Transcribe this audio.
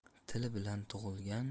til bilan tugilgan